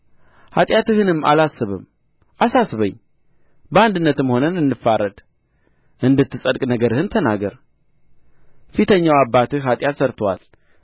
ኃጢአትህንም አላስብም አሳስበኝ በአንድነትም ሆነን እንፋረድ እንድትጸድቅ ነገርህን ተናገር ፊተኛው አባትህ ኃጢአት ሠርቶአል